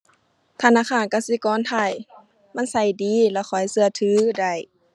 ธนาคารกสิกรไทย มันใช้ดีแล้วข้อยใช้ถือได้